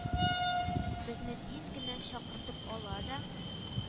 Безне тиз генә чакыртып ала да